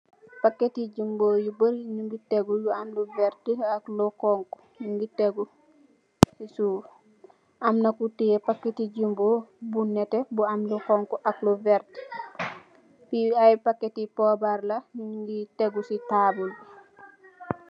Paketi jimbo you barri mougui teggou am lou werrte ak lou konku nougui teggou ci souf am nah kou teyeh paket tou jimbo bou am lou neteh ak lou werteh fii aye paketou pobar la nougui teggou ci kaw tabol bi.